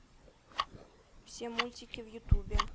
все мультики в ютубе